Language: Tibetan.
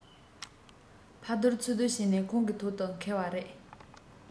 ཕར སྡུར ཚུར སྡུར བྱས ནས ཁོང གི ཐོག ཏུ འཁེལ བ རེད